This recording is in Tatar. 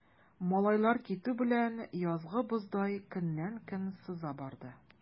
Малайлар китү белән, язгы боздай көннән-көн сыза барды.